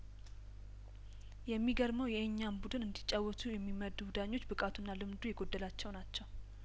የሚገርመው የእኛን ቡድን እንዲ ጫውቱ የሚመድቡ ዳኞች ብቃቱና ልምዱ የጐደላቸው ናቸው